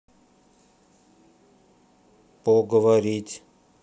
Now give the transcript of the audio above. по говорить